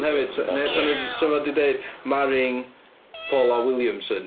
Hefyd 'sa, neu 'sa nhw jyst- os 'sa fo 'di deud marrying Paula Williamson.